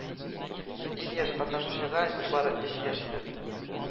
Иң яшь катнашучыга нибары өч яшь иде